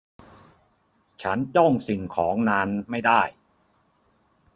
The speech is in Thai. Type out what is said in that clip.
ฉันจ้องสิ่งของนานไม่ได้